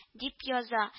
Дип яза